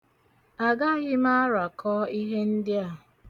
Agaghị m arakọ ihe ndị a.